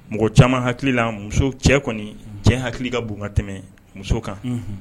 Mɔgɔ caman hakili la muso cɛ kɔni cɛ hakili ka b tɛmɛ muso kan